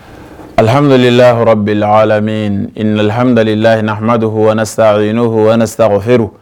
Hamidulilahabelamihamidalilayihadu saɛ sa o h